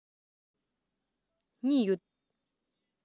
གཉིས ཡོད